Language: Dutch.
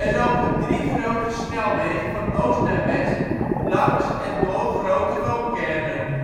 lopen drie grote snelwegen van oost naar west, langs en door grote woonkernen